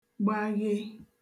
gbaghe